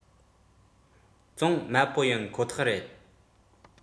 བཙོང དམའ པོ ཡིན ཁོ ཐག རེད